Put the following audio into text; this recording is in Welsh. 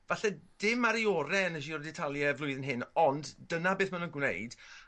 falle dim ar 'i ore yn y Giro D'Italia y flwyddyn hyn ond dyna beth ma' nw'n gwneud